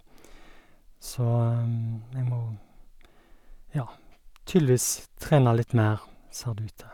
Så jeg må, ja, tydeligvis trene litt mer, ser det ut til.